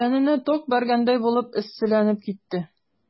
Тәненә ток бәргәндәй булып эсселәнеп китте.